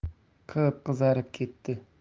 qip qizarib ketdi